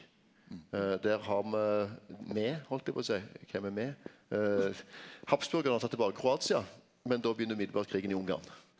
der har me me heldt eg på å seie kven er me habsburgarane har tatt tilbake Kroatia men då begynner omgåande krigen i Ungarn.